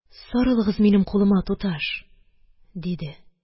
Сарылыңыз минем кулыма, туташ, – диде